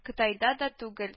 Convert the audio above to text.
Кытай да түгел